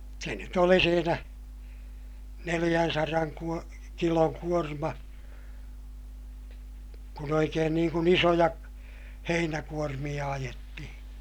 se nyt oli siinä neljänsadan - kilon kuorma kun oikein niin kuin isoja heinäkuormia ajettiin